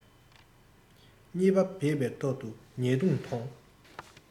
གཉིས པ བེས པའི ཐོག ཏུ ཉེས རྡུང ཐོང